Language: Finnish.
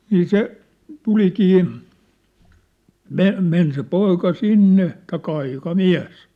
niin se tulikin - meni se poika sinne tai aikamies